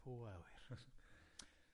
Pŵ a wyr.